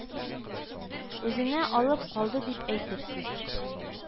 Үзенә алып калды дип әйтерсез